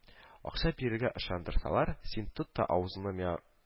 Акча бирергә ышандырсалар, син тот та авызыңны миңа